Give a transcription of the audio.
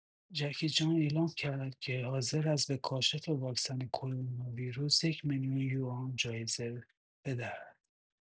جکی چان اعلام کرد که حاضر است به کاشف واکسن کرونا ویروس، یک‌میلیون یوآن جایزه بدهد.